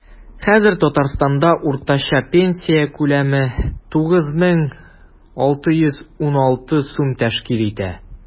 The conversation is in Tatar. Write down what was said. Хәзер Татарстанда уртача пенсия күләме 9616 сум тәшкил итә.